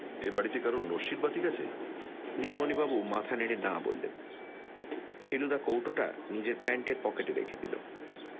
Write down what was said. এ বাড়িতে কারুর নসির বাতিক আছে নীলমণিবাবু মাথা নেড়ে না বললেন ফেলুদা কোটােটা নিজের প্যান্টের পকেটে রেখে দিল